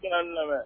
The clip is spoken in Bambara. Sira